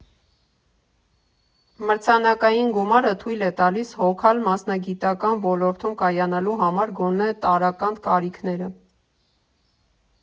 Մրցանակային գումարը թույլ է տալիս հոգալ մասնագիտական ոլորտում կայանալու համար գոնե տարրական կարիքները։